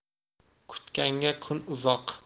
kutganga kun uzoq